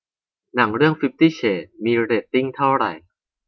หนังเรื่องฟิฟตี้เชดส์เรตติ้งเท่าไหร่